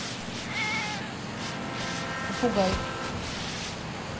попугай